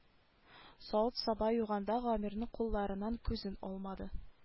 Савыт-саба юганда гамирның кулларыннан күзен алмады